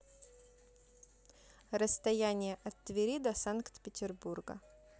расстояние от твери до санкт петербурга